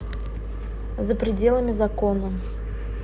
за пределами закона